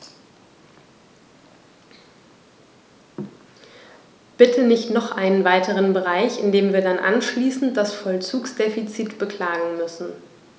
Bitte nicht noch einen weiteren Bereich, in dem wir dann anschließend das Vollzugsdefizit beklagen müssen.